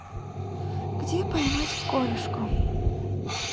где поймать корюшку